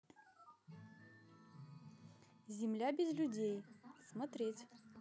земля без людей смотреть